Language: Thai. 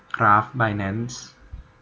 กราฟไบแนนซ์